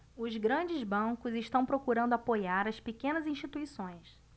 os grandes bancos estão procurando apoiar as pequenas instituições